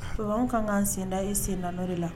Fɛ anw ka'an senda e sen na de la